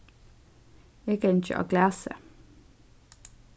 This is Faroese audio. eg gangi á glasi